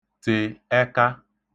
tè ẹka